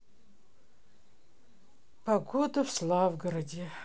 погода в славгороде